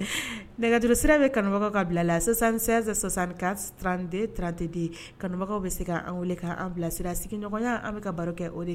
Nɛgɛj kanu sisantete kanubagaw bɛ se bilasira sigiɲɔgɔn an bɛ baro kɛ de